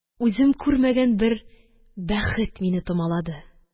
Үзем күрмәгән бер бәхет мине томалады